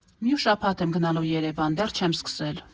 Մյուս շաբաթ եմ գնալու Երևան, դեռ չեմ սկսել…